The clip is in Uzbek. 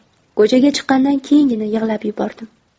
ko'chaga chiqqandan keyingina yig'lab yubordim